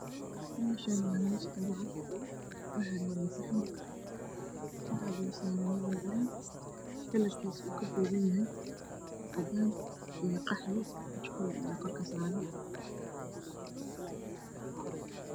Meeshaan waa miis dholo ah waxaa yaalo saxan waxaa dulsaaran macmacaan kalarkiisu uu yahay cadaan iyo qaxwi.